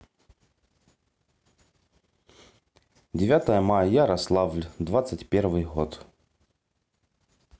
девятое мая ярославль двадцать первый год